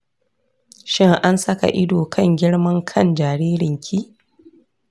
shin an saka ido kan girman kan jaririnki?